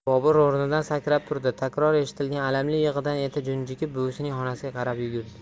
bobur o'rnidan sakrab turdi takror eshitilgan alamli yig'idan eti junjikib buvisining xonasiga qarab yugurdi